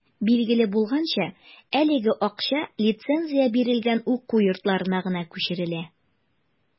Билгеле булганча, әлеге акча лицензия бирелгән уку йортларына гына күчерелә.